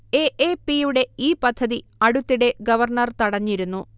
A. A. P. യുടെ ഈ പദ്ധതി അടുത്തിടെ ഗവർണർ തടഞ്ഞിരുന്നു